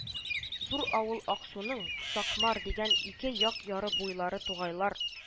Зур авыл аксуның, сакмар, дигән, ике як яры буйлары тугайлар